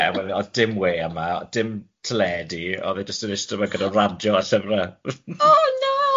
Ond do'dd dim wê yma, dim teledu, oedd e jys yn eiste yma gyda radio a llyfre .